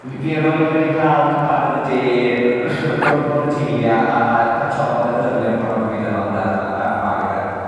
Fi fi erioed wedi ca'l cwpaned o de yy r- rownd y bwrdd y teulu a a a ca'l trafodeth lyfli am pornograffi 'da mam dad a ma' yy chwa'r yfe?